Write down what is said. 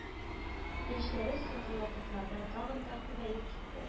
Яшьләре соңгы вакытларда тагын да күбәеп китте